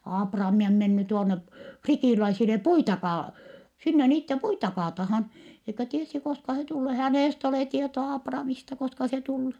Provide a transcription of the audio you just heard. Aapraami on mennyt tuonne fritiläisille puita - sinne niiden puita kaatamaan eikä tiesi koska se tulee hänestä ole tietoa Aapramista koska se tulee